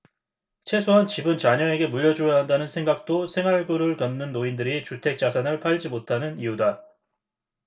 최소한 집은 자녀에게 물려줘야 한다는 생각도 생활고를 겪는 노인들이 주택 자산을 팔지 못하는 이유다